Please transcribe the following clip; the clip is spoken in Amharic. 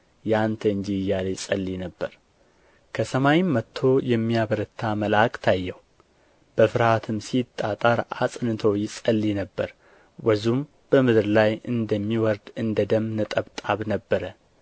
የአንተ እንጂ እያለ ይጸልይ ነበር ከሰማይም መጥቶ የሚያበረታ መልአክ ታየው በፍርሃትም ሲጣጣር አጽንቶ ይጸልይ ነበር ወዙም በምድር ላይ እንደሚወርድ እንደ ደም ነጠብጣብ ነበረ